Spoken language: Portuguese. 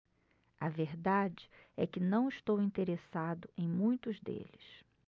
a verdade é que não estou interessado em muitos deles